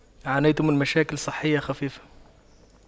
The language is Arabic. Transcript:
عانيت من مشاكل صحية خفيفة